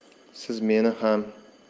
siz meni ham